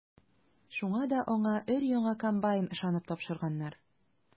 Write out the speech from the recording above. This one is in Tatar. Шуңа да аңа өр-яңа комбайн ышанып тапшырганнар.